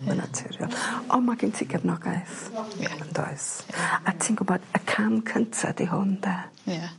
Ma'n naturiol on' ma' gen ti cefnogaeth. Ia. Yndoes? Ia. A ti'n gwbod y cam cynta 'di hwn 'de? Ia